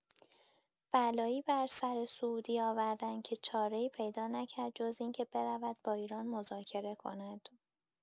بلایی بر سر سعودی آوردند که چاره‌ای پیدا نکرد جز اینکه برود با ایران مذاکره کند.